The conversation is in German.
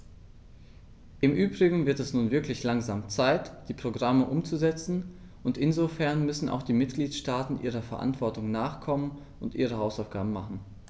Im übrigen wird es nun wirklich langsam Zeit, die Programme umzusetzen, und insofern müssen auch die Mitgliedstaaten ihrer Verantwortung nachkommen und ihre Hausaufgaben machen.